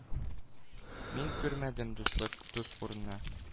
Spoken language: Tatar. Мин күрмәдем дуслык... дус урнына